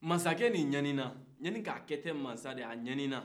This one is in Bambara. mansacɛ ni ɲani na sanin a k'a kɛ mansa ye ɲanina